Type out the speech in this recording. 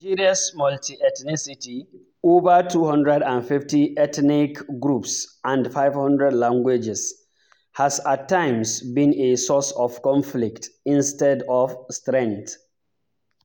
Nigeria’s multi-ethnicity – over 250 ethnic groups and 500 languages – has at times been a source of conflict instead of strength.